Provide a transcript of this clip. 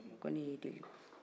ko ne y'e deli